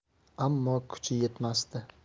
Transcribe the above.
ammo kuchi yetmasdi